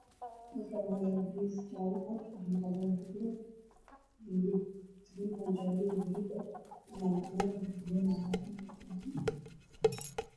Waa saxan oo saaran miis waxaa ku jiro hilib iyo bariis jaale ah hilibka waa hili doono oo